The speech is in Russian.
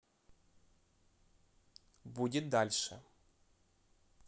будет дальше